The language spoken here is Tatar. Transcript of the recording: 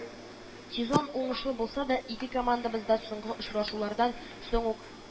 Сезон уңышлы булса да, ике командабыз да соңгы очрашулардан соң ук